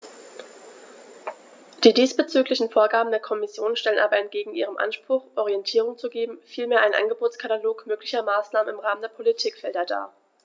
Die diesbezüglichen Vorgaben der Kommission stellen aber entgegen ihrem Anspruch, Orientierung zu geben, vielmehr einen Angebotskatalog möglicher Maßnahmen im Rahmen der Politikfelder dar.